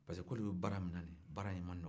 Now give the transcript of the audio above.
paresek'olu bɛ baara minna nin ye baara in man nɔkɔn